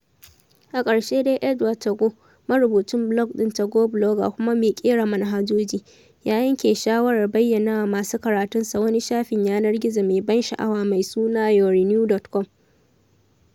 A ƙarshe dai Edward Tagoe, marubucin blog ɗin Tagoe Blogger kuma mai ƙera manhajoji, ya yanke shawarar bayyanawa masu karatunsa wani shafin yanar gizo mai ban sha’awa mai suna YOURENEW.COM.